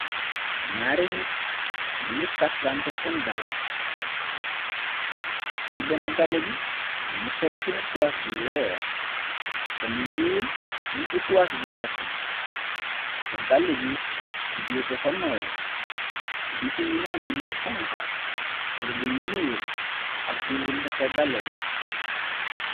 ñaare nit ni ngir taflante seen dalla ko sool benn dala bi ni ngi sol itm0 ks bu weex te lu ñuul ñu ci kuwas bu weex bi te dal bi ci biir dafa nooy biti mi nga am bindy xonga rëdu yu ñuul ak bumbu ndeke dala bi